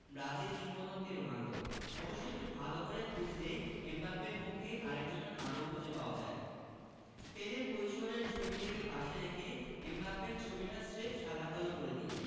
Brazil কিংবদন্তি Ronaldo অবশ্য একটু ভালো করে খুঁজলে এমবাপ্পের মুখে আরেকজনের আদল খুঁজে পাওয়া যায় পেলের কৈশোরের ছবিটাকে পাশে রেখে এমবাপ্পের ছবিটা স্রেফ সাদা কালো করে দিন